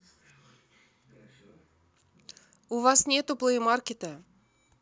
у вас нету плеймаркета